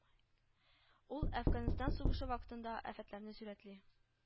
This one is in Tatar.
Ул Әфганстан сугышы вакытындагы афәтләрне сурәтли